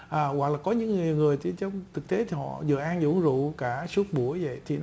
ờ hoặc là có những người người thì trong thực tế thọ dự án vũ rượu cả suốt buổi vậy thì